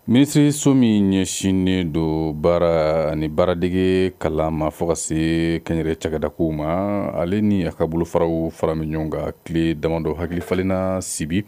Misi so min ɲɛsinnen don baara ani baaradege kalanma fo ka se kɛnɛrɛ cadako ma ale ni a kab bolo faraw fara min ɲɔgɔn kan tile damadɔ hakilifarenna sibi